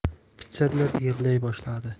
pichirlab yig'lay boshladi